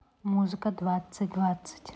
музыка двадцать двенадцать